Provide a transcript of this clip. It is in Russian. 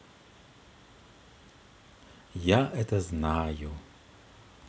я это знаю